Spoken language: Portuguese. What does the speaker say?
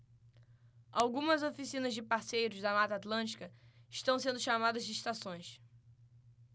algumas oficinas de parceiros da mata atlântica estão sendo chamadas de estações